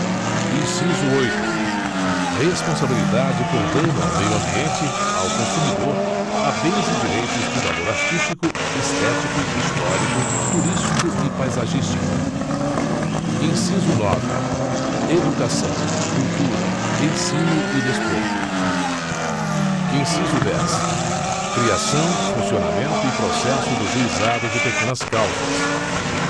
inciso oito responsabilidade por dano ao meio ambiente ao consumidor a bens e direitos de valor artístico estético histórico turístico e paisagístico inciso nove educação cultura ensino e desporto inciso dez criação funcionamento e processo do juizado de pequenas causas